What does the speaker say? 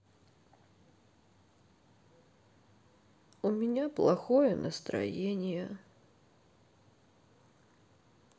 у меня плохое настроение